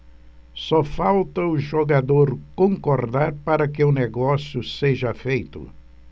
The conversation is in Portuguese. só falta o jogador concordar para que o negócio seja feito